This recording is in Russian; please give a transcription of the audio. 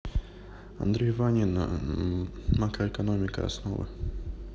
андрей ванин макроэкономика основы